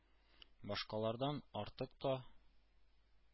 Башкалардан артык та,